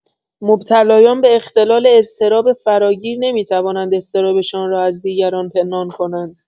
مبتلایان به اختلال اضطراب فراگیر نمی‌توانند اضطرابشان را از دیگران پنهان کنند.